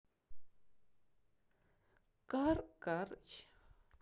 кар карыч